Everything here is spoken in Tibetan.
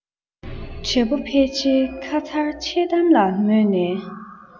བགྲེས པོ ཕལ ཆེར ཁ མཚར འཆལ གཏམ ལ མོས ནས